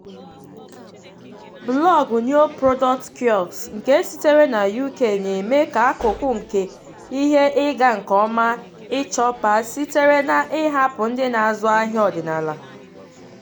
Blọọgụ NeoProducts Kiosks, nke sitere na UK, na-eme ka akụkụ nke ihe ịga nke ọma eChoupal sitere na ịhapụ ndị na-azụ ahịa ọdịnala.